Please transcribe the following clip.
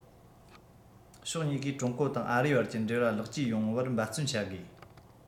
ཕྱོགས གཉིས ཀས ཀྲུང གོ དང ཨ རིའི བར གྱི འབྲེལ བ ལེགས བཅོས ཡོངས བར འབད བརྩོན བྱ དགོས